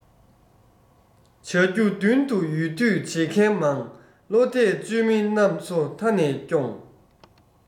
བྱ རྒྱུ མདུན དུ ཡོད དུས བྱེད མཁན མང བློ གཏད བཅོལ མི རྣམས ཚོ མཐའ ནས སྐྱོངས